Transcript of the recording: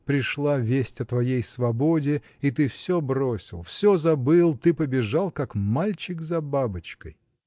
Пришла весть о твоей свободе, и ты все бросил, все забыл, ты побежал, как мальчик за бабочкой.